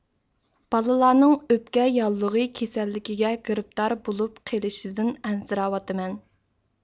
بالىلارنىڭ ئۆپكە ياللۇغى كېسەللىكىگە گىرىپتار بولۇپ قېلىشىدىن ئەنسىرەۋاتىمەن